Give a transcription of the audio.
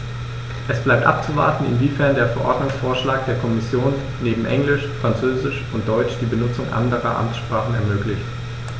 Es bleibt abzuwarten, inwiefern der Verordnungsvorschlag der Kommission neben Englisch, Französisch und Deutsch die Benutzung anderer Amtssprachen ermöglicht.